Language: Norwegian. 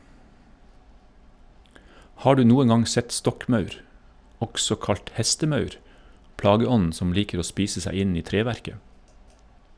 Har du noen gang sett stokkmaur, også kalt hestemaur, plageånden som liker å spise seg inn i treverket?